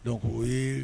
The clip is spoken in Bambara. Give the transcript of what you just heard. Dɔw ko